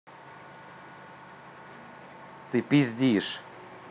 ты пиздишь